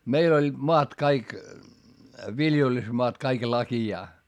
meillä olivat maat kaikki viljelysmaat kaikki lakeaa